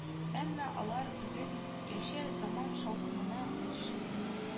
Әмма алар бүгенгәчә заман шаукымына бирешмәгән